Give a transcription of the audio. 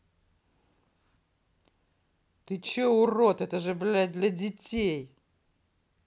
ты че урод это же блядь для детей